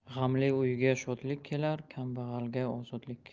g'amli uyga shodlik kelar kambag'alga ozodlik